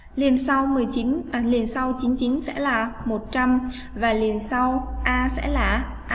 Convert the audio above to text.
lần sau lần sau sẽ là và liền sau a sẽ lá